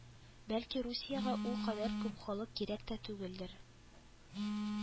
Бәлки, Русиягә ул кадәр күп халык кирәк тә түгелдер